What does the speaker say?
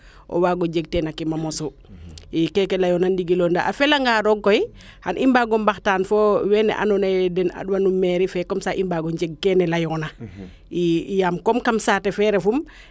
o waago jeg teen a kima mosu i keeke leyoona ndigilo nda a fela nga rooge koy xan i mbaago mbaxtaan fo weene ando naye den adwa nu mairie fe comme ca i mbaago njeg keene leyoona i yam comme kam saate fe refum